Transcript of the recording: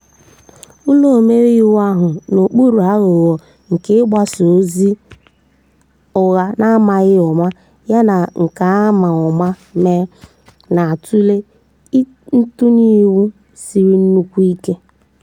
Ụlọ omeiwu ahụ, n'okpuru aghụghọ nke igbochi mgbasa ozi ụgha n'amaghị ụma yana nke a ma ụma mee, na-atụle ntinye iwu siri nnukwu ike.